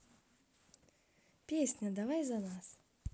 песня давай за нас